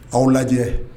Aw lajɛ